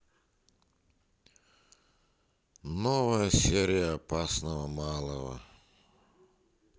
новая серия опасного малого